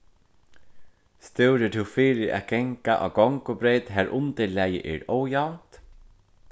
stúrir tú fyri at ganga á gongubreyt har undirlagið er ójavnt